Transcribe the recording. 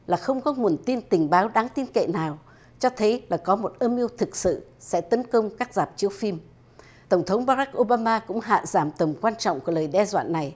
là không có nguồn tin tình báo đáng tin cậy nào cho thấy là có một âm mưu thực sự sẽ tấn công các rạp chiếu phim tổng thống ba rắc ô ba ma cũng hạ giảm tầm quan trọng của lời đe dọa này